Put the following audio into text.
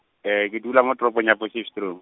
ke dula mo toropong ya Potchefstroom.